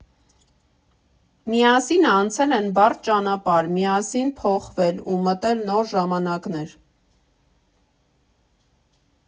Միասին անցել են բարդ ճանապարհ, միասին փոխվել ու մտել նոր ժամանակներ։